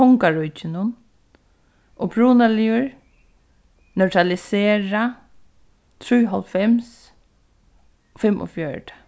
kongaríkinum upprunaligur neutralisera trýoghálvfems fimmogfjøruti